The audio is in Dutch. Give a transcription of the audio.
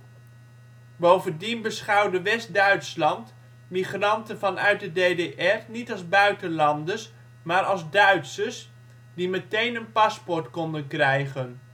Bovendien beschouwde West-Duitsland migranten vanuit de DDR niet als buitenlanders, maar als Duitsers, die meteen een paspoort konden krijgen